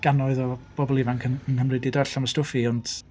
gannoedd o bobl ifanc yn yng Nghymru 'di darllen fy stwff i, ond...